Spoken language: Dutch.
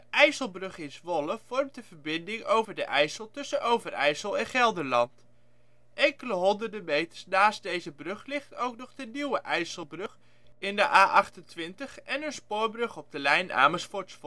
IJsselbrug in Zwolle vormt de verbinding over de IJssel tussen Overijssel en Gelderland. Enkele honderden meters naast deze brug ligt ook nog de Nieuwe IJsselbrug in de A28 en een spoorbrug op de lijn Amersfoort - Zwolle